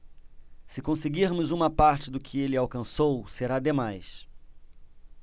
se conseguirmos uma parte do que ele alcançou será demais